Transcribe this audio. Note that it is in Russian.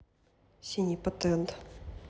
синий патент